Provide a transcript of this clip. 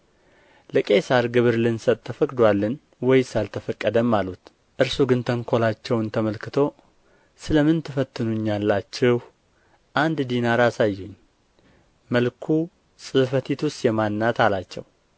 ለቄሣር ግብር ልንሰጥ ተፈቅዶአልን ወይስ አልተፈቀደም አሉት እርሱ ግን ተንኰላቸውንም ተመልክቶ ስለ ምን ትፈትኑኛላችሁ አንድ ዲናር አሳዩኝ መልኩ ጽሕፈቱስ የማን ነው አላቸው